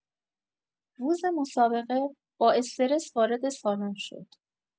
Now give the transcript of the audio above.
روز مسابقه، با استرس وارد سالن شد.